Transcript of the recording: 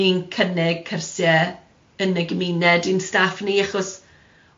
Ni'n cynnig cyrsie yn y gymuned i'n staff ni, achos